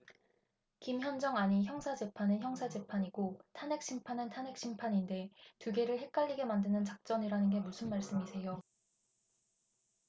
김현정 아니 형사재판은 형사재판이고 탄핵심판은 탄핵심판인데 두 개를 헷갈리게 만드는 작전이라는 게 무슨 말씀이세요